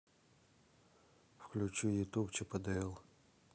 включи ютуб чип и дейл